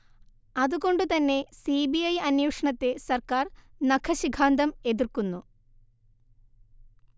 അതുകൊണ്ടു തന്നെ C B I അന്വേഷണത്തെ സർക്കാർ നഖശിഖാന്തം എതിർക്കുന്നു